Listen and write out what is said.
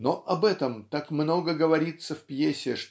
но об этом так много говорят в пьесе